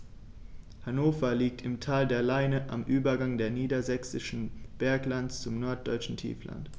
Hannover liegt im Tal der Leine am Übergang des Niedersächsischen Berglands zum Norddeutschen Tiefland.